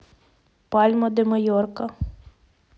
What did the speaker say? пальма де майорка